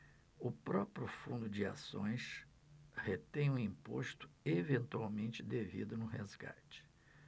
o próprio fundo de ações retém o imposto eventualmente devido no resgate